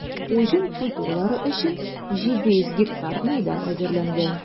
Уҗым культуралары өчен 700 га мәйдан әзерләнгән.